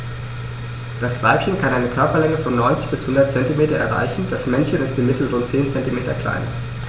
Das Weibchen kann eine Körperlänge von 90-100 cm erreichen; das Männchen ist im Mittel rund 10 cm kleiner.